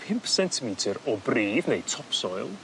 pump sentimetyr o bridd neu top soil